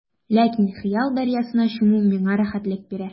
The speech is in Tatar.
Ләкин хыял дәрьясына чуму миңа рәхәтлек бирә.